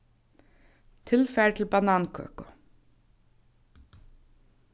tilfar til banankøku